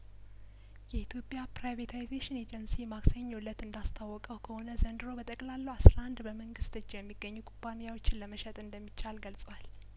የኢትዮጵያ ፕራይቬታይዜሽን ኤጀንሲ ማክሰኞ እለት እንዳስታወቀው ከሆነ ዘንድሮ በጠቅላላው አስራ አንድ በመንግስት እጅ የሚገኙ ኩባንያዎችን ለመሸጥ እንደሚቻል ገልጿል